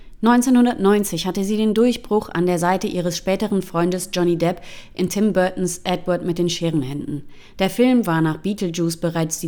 1990 hatte sie den Durchbruch an der Seite ihres späteren Freundes Johnny Depp in Tim Burtons Edward mit den Scherenhänden. Der Film war nach Beetlejuice bereits